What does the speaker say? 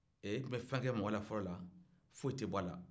i tun bɛ fɛn kɛ mɔgɔ la fɔlɔ la foyi tɛ b'a la